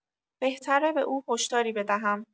بهتر به او هشداری بدهم.